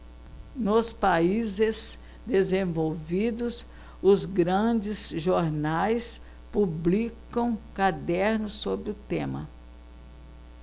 nos países desenvolvidos os grandes jornais publicam cadernos sobre o tema